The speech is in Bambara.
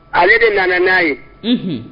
Ale de nana n'a ye, Unhun.